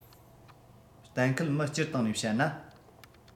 གཏན འཁེལ མི སྤྱིར བཏང ནས བཤད ན